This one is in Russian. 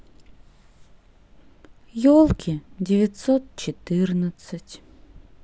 елки девятьсот четырнадцатый